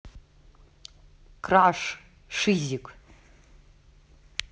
crash шизик